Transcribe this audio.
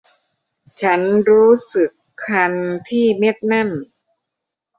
ฉันรู้สึกคันที่เม็ดนั่น